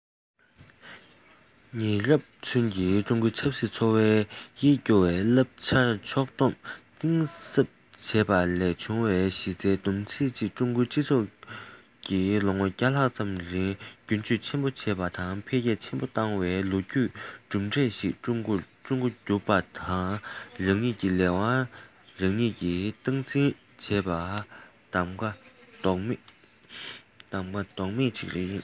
ཉེ རབས ཚུན གྱི ཀྲུང གོའི ཆབ སྲིད འཚོ བའི ཡིད སྐྱོ བའི བསླབ བྱར ཕྱོགས སྡོམ གཏིང ཟབ བྱས པ ལས བྱུང བའི གཞི རྩའི བསྡོམས ཚིག ཅིག ཀྲུང གོའི སྤྱི ཚོགས ཀྱིས ལོ ངོ ལྷག ཙམ རིང སྒྱུར བཅོས ཆེན པོ བྱས པ དང འཕེལ རྒྱས ཆེན པོ བཏང བའི ལོ རྒྱུས ཀྱི གྲུབ འབྲས ཤིག ཀྲུང གོ གྱུར པ དང རང ཉིད ཀྱི ལས དབང རང ཉིད ཀྱིས སྟངས འཛིན བྱས པའི གདམ ག ལྡོག མེད ཅིག རེད